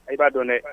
I b'a dɔn dɛ